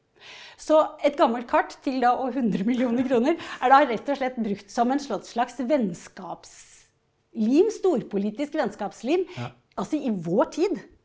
så et gammelt kart til da å 100 millioner kroner, er da rett og slett brukt som en sånn slags vennskapslim, storpolitisk vennskapslim, altså i vår tid.